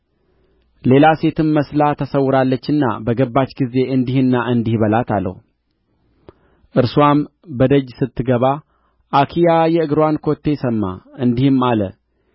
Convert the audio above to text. ሌላ ሴትም መስላ ተሰውራለችና በገባች ጊዜ እንዲህና እንዲህ በላት አለው እርስዋም በደጅ ስትገባ አኪያ የእግርዋን ኮቴ ሰማ እንዲህም አለ